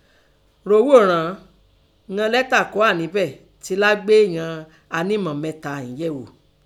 Rǒ ghò rán, ìnan lẹ́tà kọ́ hà ńbẹ̀ tin lá gbé ìnan ànímọ́ mẹ́ta ìín yẹ̀ ghò.